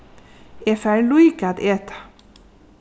eg fari líka at eta